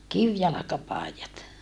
kivijalkapaidat